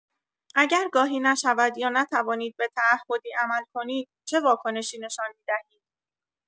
اگر گاهی نشود یا نتوانید به تعهدی عمل کنید، چه واکنشی نشان می‌دهید؟